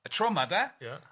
Y tro yma de... Ia.